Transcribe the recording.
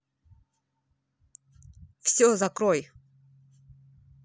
все закрой